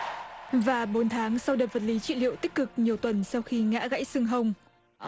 và bốn tháng sau đợt vật lý trị liệu tích cực nhiều tuần sau khi ngã gãy xương hông